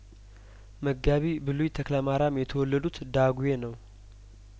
መጋቢ ብሉይ ተክለማሪያም የተወለዱት ዳጔ ነው